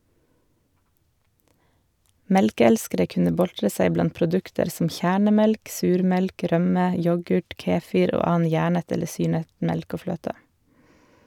Melkeelskere kunne boltre seg blant produkter som kjernemelk, surmelk, rømme, yoghurt, kefir og annen gjærnet eller syrnet melk og fløte.